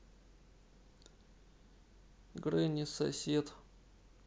гренни сосед